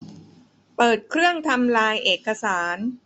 เปิดเครื่องทำลายเอกสาร